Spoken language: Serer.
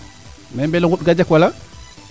mee Mbelongutt Gandiack wala